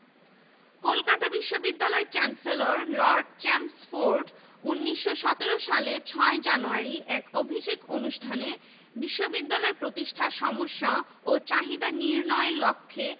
এই কমিটির এবং কলকাতা বিশ্ববিদ্যালয় সিনেটের একমাত্র বাঙালি মুসলমান সদস্য হিসেবে খান বাহাদুর আহসানউল্লাহ বিলটির পক্ষে জোরালো অভিমত পেশ করেন